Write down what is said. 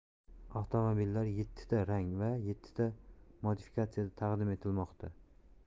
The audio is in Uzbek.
avtomobillar yettita rang va yettita modifikatsiyada taqdim etilmoqda